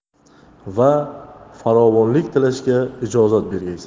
va farovonlik tilashga ijozat bergaysiz